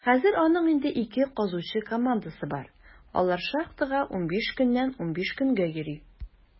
Хәзер аның инде ике казучы командасы бар; алар шахтага 15 көннән 15 көнгә йөри.